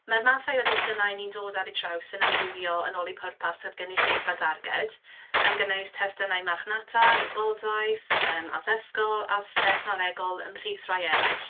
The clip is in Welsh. Mae'r mathau o destunau ni'n dod ar eu traws yn amrywio yn ôl eu pwrpas a'r gynulleidfa darged, gan gynnwys testunau marchnata, gwybodaeth, yym, addysgol a thechnolegol ymhlith rhai eraill.